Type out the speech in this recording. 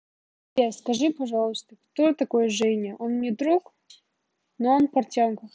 сбер скажи пожалуйста кто такой женя он мне друг но он портянка